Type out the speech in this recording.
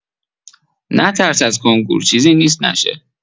نترس از کنکور چیزی نیست نشه.